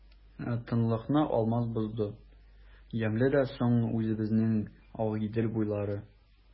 Тынлыкны Алмаз бозды:— Ямьле дә соң үзебезнең Агыйдел буйлары!